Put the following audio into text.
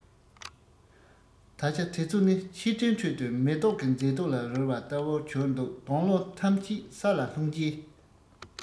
ད ཆ དེ ཚོ ནི ཕྱིར དྲན ཁྲོད དུ མེ ཏོག གི མཛེས སྡུག ལ རོལ བ ལྟ བུར གྱུར འདུག སྡོང ལོ ཐམས ཅད ས ལ ལྷུང རྗེས